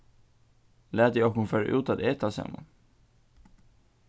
latið okkum fara út at eta saman